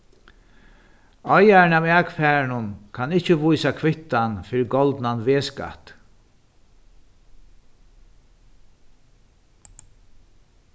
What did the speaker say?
eigarin av akfarinum kann ikki vísa kvittan fyri goldnan vegskatt